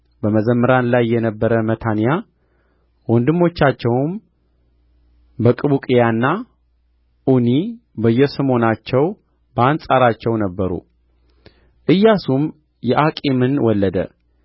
በመዘምራን ላይ የነበረ መታንያ ወንድሞቻቸውም በቅቡቅያና ዑኒ በየሰሞናቸው በአንጻራቸው ነበሩ ኢያሱም ዮአቂምን ወለደ